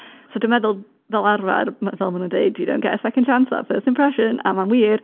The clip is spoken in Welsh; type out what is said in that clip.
So dwi'n meddwl fel arfer, fel ma' nhw'n dweud, "You don't get a second chance at a first impression" a mae'n wir.